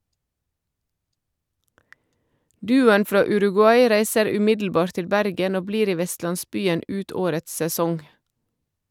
Duoen fra Uruguay reiser umiddelbart til Bergen, og blir i vestlandsbyen ut årets sesong.